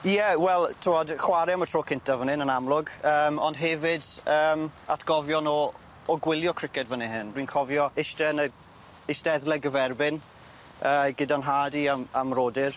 Ie wel t'wod chware am y tro cynta fan 'yn yn amlwg yym ond hefyd yym atgofion o o gwylio criced fyn y hyn. Dwi'n cofio ishte yn y eisteddle gyferbyn yy gyda'n nhad i a'm a'm mrodyr.